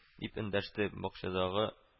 —дип эндәште бакчадагы